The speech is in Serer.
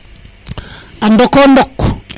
a ndoko ndok